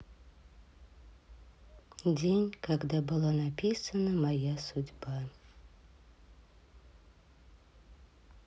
день когда была написана моя судьба